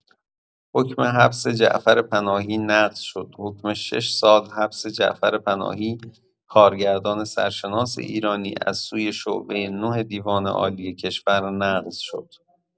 حکم حبس جعفر پناهی نقض شدحکم شش سال حبس جعفر پناهی، کارگردان سرشناس ایرانی از سوی شعبه ۹ دیوان عالی کشور نقض شد.